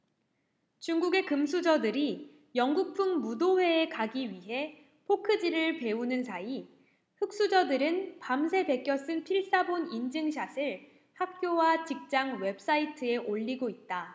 중국의 금수저들이 영국풍 무도회에 가기 위해 포크질을 배우는 사이 흑수저들은 밤새 베껴 쓴 필사본 인증샷을 학교와 직장 웹사이트에 올리고 있다